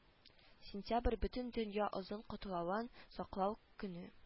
Сентябрь бөтендөнья озон катлавын саклау көне